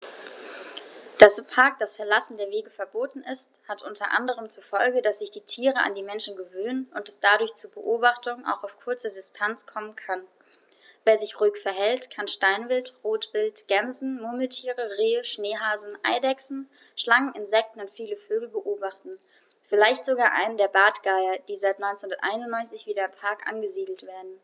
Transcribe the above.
Dass im Park das Verlassen der Wege verboten ist, hat unter anderem zur Folge, dass sich die Tiere an die Menschen gewöhnen und es dadurch zu Beobachtungen auch auf kurze Distanz kommen kann. Wer sich ruhig verhält, kann Steinwild, Rotwild, Gämsen, Murmeltiere, Rehe, Schneehasen, Eidechsen, Schlangen, Insekten und viele Vögel beobachten, vielleicht sogar einen der Bartgeier, die seit 1991 wieder im Park angesiedelt werden.